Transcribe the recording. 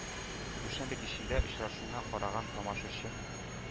Дүшәмбе кичендә очрашуны караган тамашачы